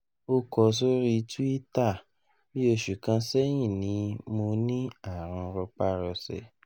O kọ sori Twitter: “Bi oṣu kan sẹhin ni mo ni arun rọparọsẹ.